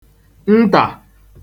ntà